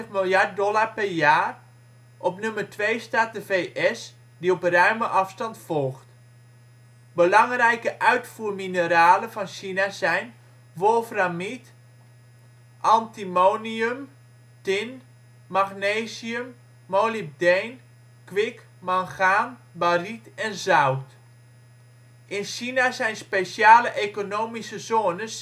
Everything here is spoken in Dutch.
miljard dollar per jaar, op nummer twee staat de VS, die op ruime afstand volgt. Belangrijke uitvoermineralen van China zijn wolframiet, antimonium, tin, magnesium, molybdeen, kwik, mangaan, bariet en zout. In China zijn Speciale Economische Zones